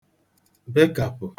bekàpụ̀